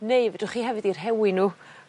neu fedrwch chi hefyd 'u rhewi n'w